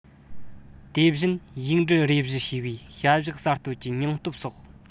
དེ བཞིན ཡིག འབྲུ རེ བཞི ཞེས པའི བྱ གཞག གསར གཏོད ཀྱི སྙིང སྟོབས སོགས